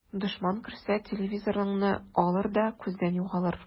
Дошман керсә, телевизорыңны алыр да күздән югалыр.